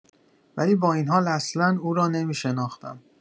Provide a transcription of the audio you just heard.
ولی با این حال اصلا او را نمی‌شناختم.